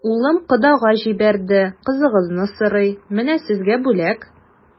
Улым кодага җибәрде, кызыгызны сорый, менә сезгә бүләк.